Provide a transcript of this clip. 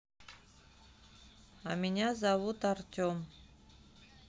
а меня зовут артем